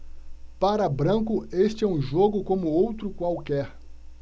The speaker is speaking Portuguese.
para branco este é um jogo como outro qualquer